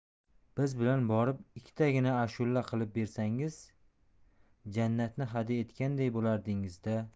biz bilan borib ikkitagina ashula qilib bersangiz jannatni hadya etganday bo'lardingiz da